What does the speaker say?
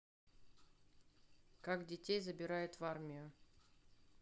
как детей забирают в армию